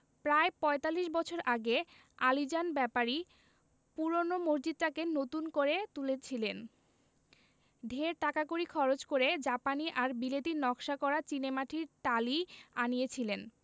প্রায় পঁয়তাল্লিশ বছর আগে আলীজান ব্যাপারী পূরোনো মসজিদটাকে নতুন করে তুলেছিলেন ঢের টাকাকড়ি খরচ করে জাপানি আর বিলেতী নকশা করা চীনেমাটির টালি আনিয়েছিলেন